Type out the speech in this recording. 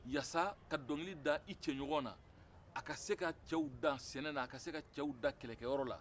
walasa ka dɔnkili da i cɛ ɲɔgɔn na a ka se ka cɛw dan sɛnɛ na a ka se ka cɛw dan kɛlɛkɛyɔrɔ la